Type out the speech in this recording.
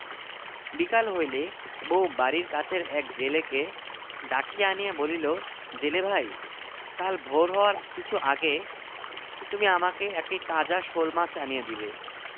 দেখাই তোর মজাটা এই বলিয়া রহিম বউকে বেদম প্রহার করিতে লাগিল বউ চিৎকার করিয়া সমস্ত পাড়ার লোক জড় করিয়া ফেলিল